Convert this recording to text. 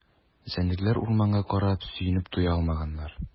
Җәнлекләр урманга карап сөенеп туя алмаганнар.